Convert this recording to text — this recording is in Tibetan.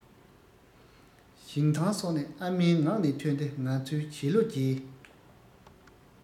ཞིང ཐང སོགས ནི ཨ མའི ངག ནས ཐོན ཏེ ང ཚོའི བྱིས བློ རྒྱས